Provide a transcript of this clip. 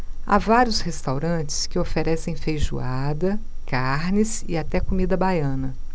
há vários restaurantes que oferecem feijoada carnes e até comida baiana